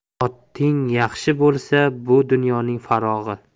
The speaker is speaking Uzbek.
oting yaxshi bo'lsa bu dunyoning farog'i